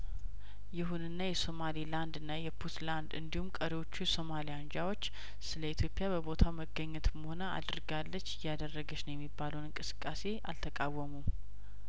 ይሁንና የሶማሌ ላንድና የፑትላንድ እንዲሁም ቀሪዎቹ የሶማሊያ አንጃዎች ስለኢትዮጵያ በቦታው መገኘትም ሆነ አድርጋለች እያደረገች ነው የሚባለው እንቅስቃሴ አልተቃወሙም